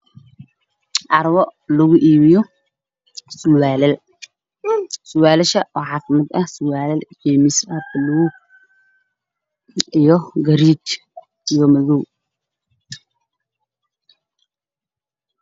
Waa carwo lagu iibi sarwaalad wax kamid sarwaalad jeemiska ah